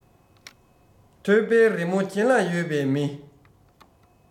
ཐོད པའི རི མོ གྱེན ལ ཡོད པའི མི